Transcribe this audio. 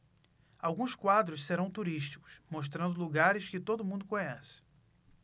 alguns quadros serão turísticos mostrando lugares que todo mundo conhece